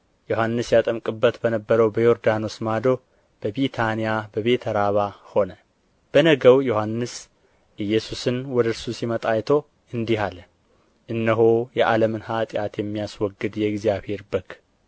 ዮሐንስ ያጠምቅበት በነበረው በዮርዳኖስ ማዶ በቢታንያ በቤተ ራባ ሆነ በነገው ዮሐንስ ኢየሱስን ወደ እርሱ ሲመጣ አይቶ እንዲህ አለ እነሆ የዓለምን ኃጢአት የሚያስወግድ የእግዚአብሔር በግ